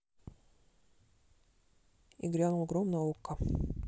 и грянул гром на окко